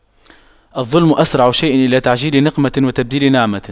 الظلم أسرع شيء إلى تعجيل نقمة وتبديل نعمة